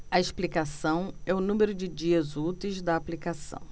a explicação é o número de dias úteis da aplicação